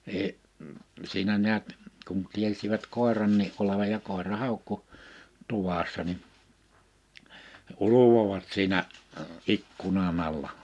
niin siinä näet kun tiesivät koirankin olevan ja koira haukkui tuvassa niin ulvoivat siinä ikkunan alla